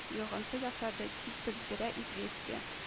Йогынты ясады, дип белдерә “известия”